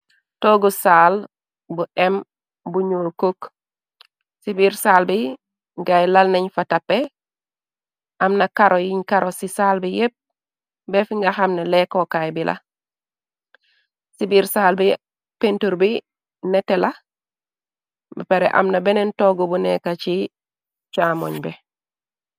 Tooggu saal bu em bu ñuul kuuk, ci biir saal bi gay lal nañ fa tappe, amna karo yiñ karo ci saal bi yépp, beef nga xamne leekookaay bi la, ci biir saal bi pintur bi nette la, bapare amna beneen toogu bu neeka ci caamoñ bi.